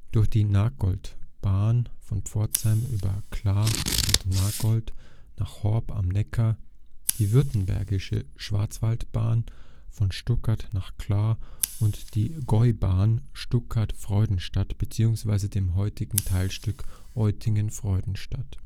durch die Nagoldtalbahn von Pforzheim über Calw und Nagold nach Horb am Neckar, die Württembergische Schwarzwaldbahn von Stuttgart nach Calw und die Gäubahn Stuttgart – Freudenstadt beziehungsweise dem heutigen Teilstück Eutingen – Freudenstadt